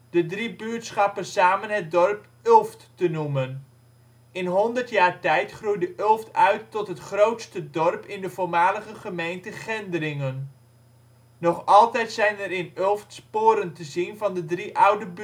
de drie buurtschappen samen het dorp Ulft te noemen. In 100 jaar tijd groeide Ulft uit tot het grootste dorp in de voormalige gemeente Gendringen. Nog altijd zijn er in Ulft sporen te zien van de drie oude